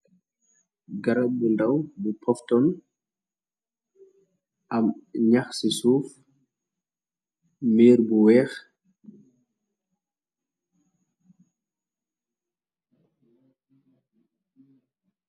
Garab bu ndaw bu popton am ñax ci suuf mbiir bu weex.